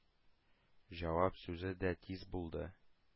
Җавап сүзе дә тиз булды.